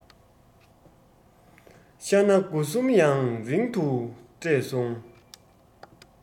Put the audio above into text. ཤྭ གནའ དགོ གསུམ ཡང རིང དུ བསྐྲད སོང